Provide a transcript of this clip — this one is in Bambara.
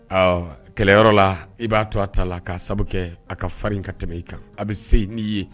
Ɔ kɛlɛyɔrɔ la i b'a to a ta la k'a sababu kɛ a ka faririn in ka tɛmɛ i kan a bɛ se n'i ye